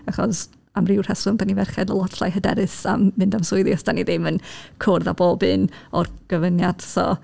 Achos, am rhyw reswm dan ni ferched yn lot llai hyderus am mynd am swyddi os dan ni ddim yn cwrdd a bob un o'r gofyniad so...